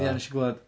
Ia wnes i glywed.